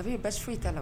A'i bɛ so su i ta la